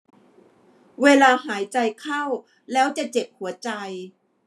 เวลาหายใจเข้าแล้วจะเจ็บหัวใจ